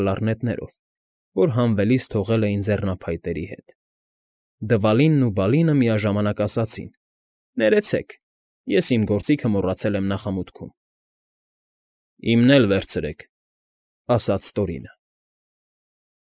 Կլարնետներով, որ հանվելիս թողել էին ձեռնափայտերի հետ. Դվալինն ու Բալինը միաժամանակ ասացին. «Ներեցեք, ես իմ գործիքը մոռացել եմ նախամուտքում»։ ֊ Իմն էլ վերցերք, ֊ ասաց Տորինը։